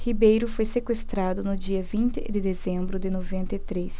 ribeiro foi sequestrado no dia vinte de dezembro de noventa e três